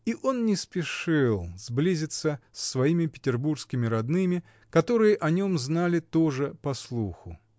И он не спешил сблизиться с своими петербургскими родными, которые о нем знали тоже по слуху.